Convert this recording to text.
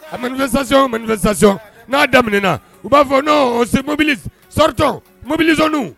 A m2 saɔn m2 sayɔn n'a daminɛminɛna u b'a fɔ n se mɔbili saritɔn mobiliw